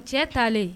Cɛ ta